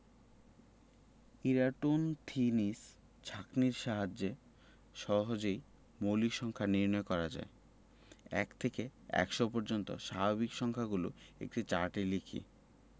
Eratosthenes ছাঁকনির সাহায্যে সহজেই মৌলিক সংখ্যা নির্ণয় করা যায় ১ থেকে ১০০ পর্যন্ত স্বাভাবিক সংখ্যাগুলো একটি চার্টে লিখি